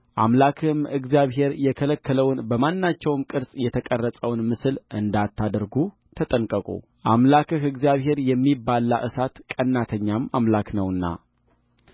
አምላክህም እግዚአብሔር የከለከለውን በማናቸውም ቅርጽ የተቀረጸውን ምስል እንዳታደርጉ ተጠንቀቁአምላክህ እግዚአብሔር የሚበላ እሳት ቀናተኛም አምላክ ነውና